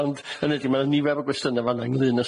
Ond hynny ydi ma' nifer o gwestiyna fan 'na ynglyn